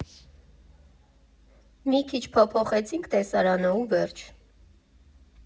Մի քիչ փոփոխեցինք տեսարանը ու վերջ։